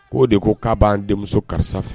K' o de ko k'a b'an denmuso karisa fɛ